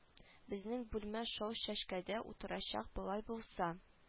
Безнең бүлмә шау чәчкәдә утырачак болай булса